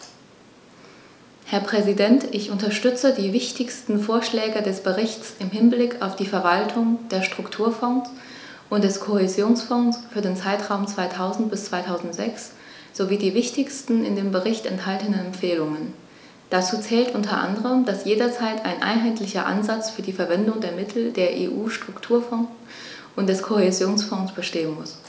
Herr Präsident, ich unterstütze die wichtigsten Vorschläge des Berichts im Hinblick auf die Verwaltung der Strukturfonds und des Kohäsionsfonds für den Zeitraum 2000-2006 sowie die wichtigsten in dem Bericht enthaltenen Empfehlungen. Dazu zählt u. a., dass jederzeit ein einheitlicher Ansatz für die Verwendung der Mittel der EU-Strukturfonds und des Kohäsionsfonds bestehen muss.